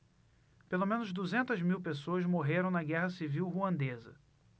pelo menos duzentas mil pessoas morreram na guerra civil ruandesa